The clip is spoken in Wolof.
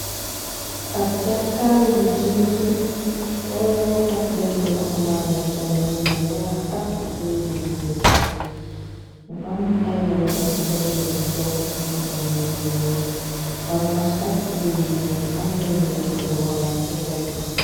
Ab càkkaab bu jiitu tollook ab benn waxambaane, sol mbub mu weex ak tubay ju ñuul, mu am ay way takkidar yu leen topp sol ay mbubu yu oraans ak tubay yu ñuul am benn rëddbu oraans ca pegg ba.